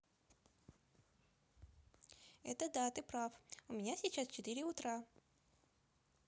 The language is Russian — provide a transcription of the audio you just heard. это да ты прав у меня сейчас четыре утра